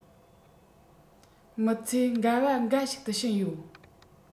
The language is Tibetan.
མི ཚད འགལ བ འགའ ཞིག ཏུ ཕྱིན ཡོད